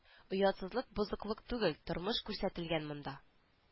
Оятсызлык бозыклык түгел тормыш күрсәтелгән монда